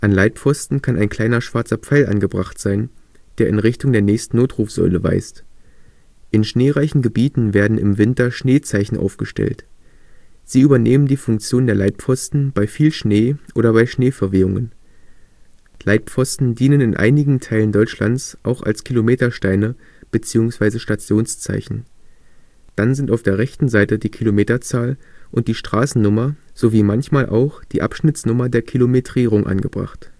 Leitpfosten kann ein kleiner schwarzer Pfeil angebracht sein, der in Richtung der nächsten Notrufsäule weist. In schneereichen Gebieten werden im Winter Schneezeichen aufgestellt. Sie übernehmen die Funktion der Leitpfosten bei viel Schnee oder bei Schneeverwehungen. Leitpfosten dienen in einigen Teilen Deutschlands auch als Kilometersteine bzw. Stationszeichen. Dann sind auf der rechten Seite die Kilometerzahl und die Straßennummer sowie manchmal auch die Abschnittsnummer der Kilometrierung angebracht